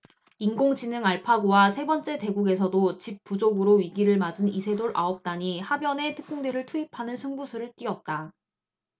인공지능 알파고와 세 번째 대국에서도 집 부족으로 위기를 맞은 이세돌 아홉 단이 하변에 특공대를 투입하는 승부수를 띄웠다